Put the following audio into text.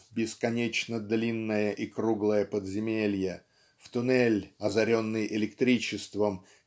в бесконечно длинное и круглое подземелье в туннель озаренный электричеством